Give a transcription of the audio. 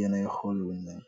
yeenay xoluñ nañ.